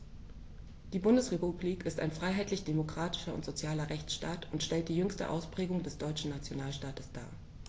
Die Bundesrepublik ist ein freiheitlich-demokratischer und sozialer Rechtsstaat und stellt die jüngste Ausprägung des deutschen Nationalstaates dar.